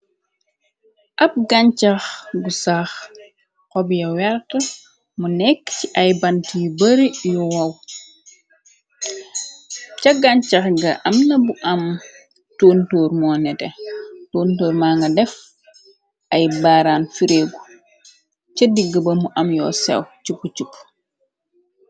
Ab gancax gu saax xobye werte mu nekk ci ay bant yu bari yu wow ca gancax ga am na bu am tontoor moo nete tontoor banga def ay baaraan fireegu ca digg bamu am yoo sew chicu chicu.